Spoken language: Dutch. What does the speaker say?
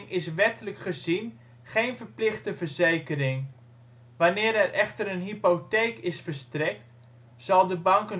is wettelijk gezien geen verplichte verzekering. Wanneer er echter een hypotheek is verstrekt, zal de bank